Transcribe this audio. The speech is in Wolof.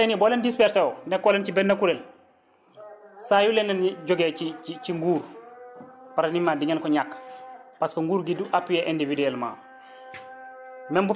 parce que tey nii boo leen disperser woo nekkoo leen ci benn kuréel saa yu leneen yi jógee ci ci nguur pratiquement di ngeen ko ñàkk parce que nguur du appuyer indivuduellement